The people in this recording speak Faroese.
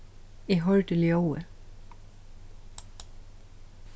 eg hoyrdi ljóðið